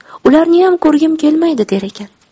ularniyam ko'rgim kelmaydi der ekan